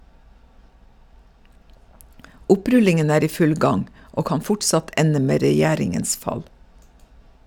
Opprullingen er i full gang, og kan fortsatt ende med regjeringens fall.